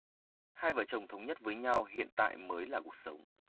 hai vợ chồng thống nhất với nhau hiện tại mới là cuộc sống